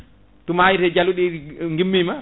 tu maayi te jalluɗe guimmima